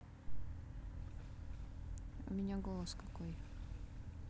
у меня голос какой